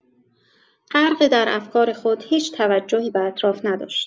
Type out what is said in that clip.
غرقه در افکار خود، هیچ توجهی به اطراف نداشت.